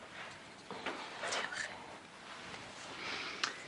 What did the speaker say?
Diolch.